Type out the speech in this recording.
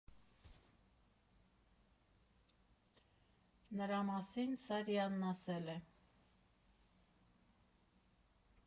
Նրա մասին Սարյանն ասել է.